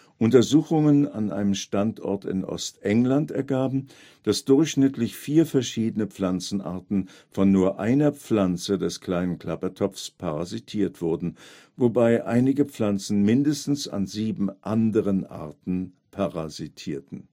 Untersuchungen an einem Standort in Ost-England ergaben, dass durchschnittlich vier verschiedene Pflanzenarten von nur einer Pflanze des Kleinen Klappertopfs parasitiert wurden, wobei einige Pflanzen mindestens an sieben anderen Arten parasitierten